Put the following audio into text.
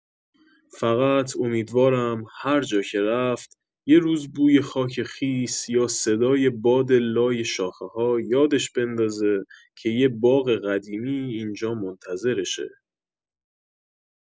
فقط امیدوارم هر جا که رفت، یه روز بوی خاک خیس یا صدای باد لای شاخه‌ها یادش بندازه که یه باغ قدیمی اینجا منتظرشه.